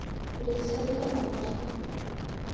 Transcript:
рецепт оладушков